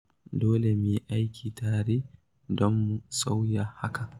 Dole mu yi aiki tare don mu sauya hakan!